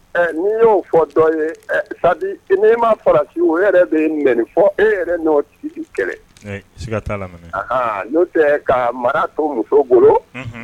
Ni'i y'o fɔ dɔ ye sabu n'i ma farasi o yɛrɛ bɛ m ninfɔ e yɛrɛ nɔ sisi kɛlɛ aa n'o tɛ ka mara to muso bolo